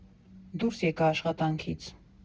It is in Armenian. Դուրս եկա աշխատանքից։